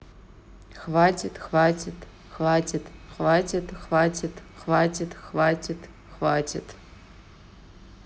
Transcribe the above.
хватит хватит хватит хватит хватит хватит хватит хватит